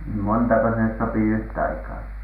montako sinne sopi yhtaikaa